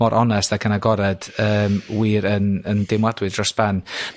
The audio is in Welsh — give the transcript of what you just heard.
mor onest ac yn agored yn wir yn yn deimladwy dros ben.